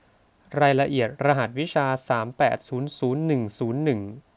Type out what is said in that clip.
รายละเอียดรหัสวิชาสามแปดศูนย์ศูนย์หนึ่งศูนย์หนึ่ง